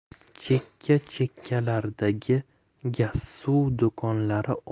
chekka chekkalardagi gazsuv do'konlari